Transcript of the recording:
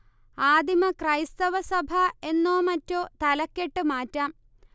ആദിമ ക്രൈസ്തവ സഭ എന്നോ മറ്റോ തലക്കെട്ട് മാറ്റാം